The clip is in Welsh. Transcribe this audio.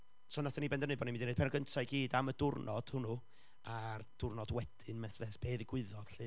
So, wnaethon ni benderfynu bod ni'n mynd i wneud pennod gynta i gyd am y diwrnod hwnnw, a'r diwrnod wedyn, math o beth, be ddigwyddodd 'lly.